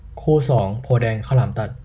คู่สองโพธิ์แดงข้าวหลามตัด